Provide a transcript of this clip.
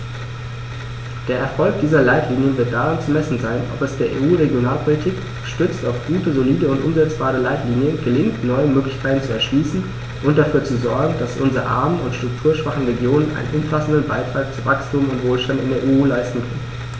Der Erfolg dieser Leitlinien wird daran zu messen sein, ob es der EU-Regionalpolitik, gestützt auf gute, solide und umsetzbare Leitlinien, gelingt, neue Möglichkeiten zu erschließen und dafür zu sorgen, dass unsere armen und strukturschwachen Regionen einen umfassenden Beitrag zu Wachstum und Wohlstand in der EU leisten können.